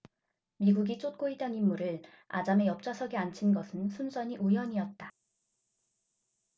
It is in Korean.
미국이 쫓고 있던 인물을 아잠의 옆좌석에 앉힌 것은 순전히 우연이었다